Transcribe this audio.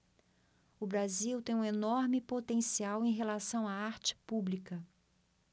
o brasil tem um enorme potencial em relação à arte pública